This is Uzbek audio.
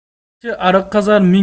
bir kishi ariq qazar